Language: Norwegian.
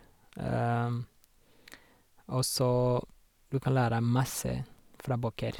Og så du kan lære masse fra bøker.